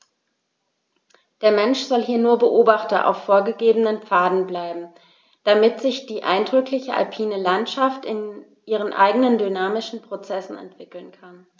Der Mensch soll hier nur Beobachter auf vorgegebenen Pfaden bleiben, damit sich die eindrückliche alpine Landschaft in ihren eigenen dynamischen Prozessen entwickeln kann.